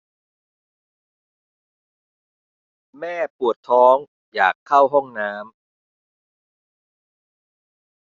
แม่ปวดท้องอยากเข้าห้องน้ำ